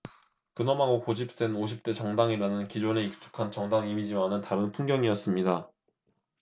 근엄하고 고집센 오십 대 정당이라는 기존의 익숙한 정당 이미지와는 다른 풍경이었습니다